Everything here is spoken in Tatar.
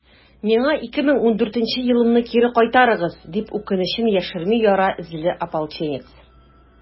«миңа 2014 елымны кире кайтарыгыз!» - дип, үкенечен яшерми яра эзле ополченец.